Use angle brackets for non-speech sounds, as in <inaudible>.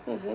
<hesitation> <hesitation>